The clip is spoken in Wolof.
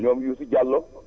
ñoom Youssou Diallo